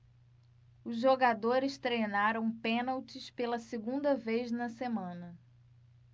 os jogadores treinaram pênaltis pela segunda vez na semana